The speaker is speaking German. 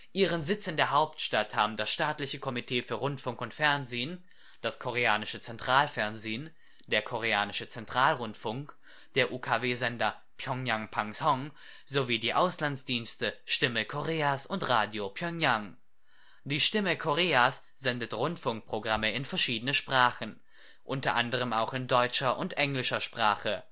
Ihren Sitz in der Hauptstadt haben das Staatliche Komitee für Rundfunk und Fernsehen, das Koreanische Zentralfernsehen, der Koreanische Zentralrundfunk, der UKW-Sender P'yŏngyang FM Pangsong sowie die Auslandsdienste Stimme Koreas und Radio Pjöngjang. Die Stimme Koreas sendet Rundfunkprogramme in verschiedenen Sprachen, unter anderem auch in deutscher und englischer Sprache